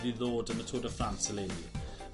i ddod yn y Tour de France eleni.